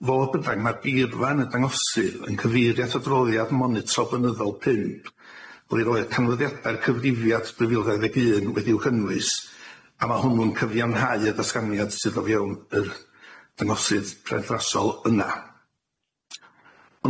Fodd bynnad ma' geirfa'n y dangosydd yn cyfeirio at adroddiad monitro blynyddol pump lle oedd canlyniada'r cyfrifiad dwy fil dau ddeg un wedi'w cynnwys a ma' hwnnw'n cyfiawnhau y datganiad sydd o fewn yr dangosydd perthnasol yna.